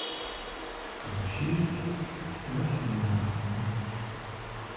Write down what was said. включить восемнадцатую